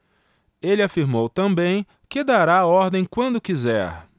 ele afirmou também que dará a ordem quando quiser